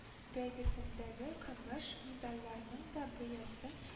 Бәйгесендәге көмеш медальләрнең дә бәясен